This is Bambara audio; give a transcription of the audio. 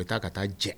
U bɛ taa ka taa jɛ